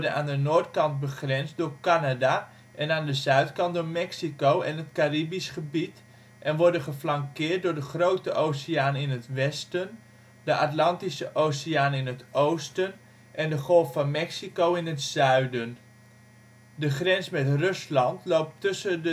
aan de noordkant begrensd door Canada en aan de zuidkant door Mexico en het Caraïbisch gebied, en wordt geflankeerd door de Grote Oceaan in het westen, de Atlantische Oceaan in het oosten en de Golf van Mexico in het zuiden. De grens met Rusland loopt tussen